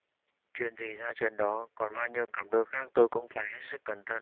chuyện gì ra chuyện đó còn bao nhiêu cặp đôi khác tôi cũng phải hết sức cẩn thận